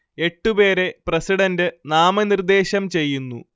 എട്ട് പേരെ പ്രസിഡന്റ് നാമനിർദ്ദേശം ചെയ്യുന്നു